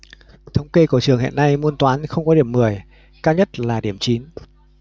thống kê của trường hiện nay môn toán không có điểm mười cao nhất là điểm chín